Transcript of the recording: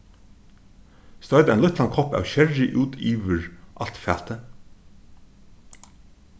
stoyt ein lítlan kopp av sherry út yvir alt fatið